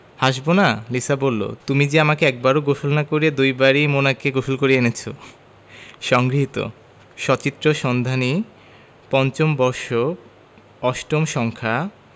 হাসবোনা লিসা বললো তুমি যে আমাকে একবারও গোসল না করিয়ে দুবারই মোনাকে গোসল করিয়ে এনেছো সংগৃহীত সচিত্র সন্ধানী৫ম বর্ষ ৮ম সংখ্যা